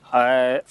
H